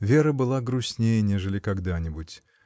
Вера была грустнее, нежели когда-нибудь.